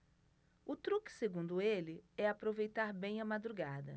o truque segundo ele é aproveitar bem a madrugada